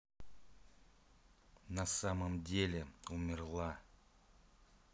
на самом деле умерла